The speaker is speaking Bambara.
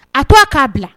A to a k'a bila